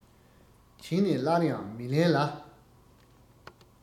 བྱིན ནས སླར ཡང མི ལེན ལ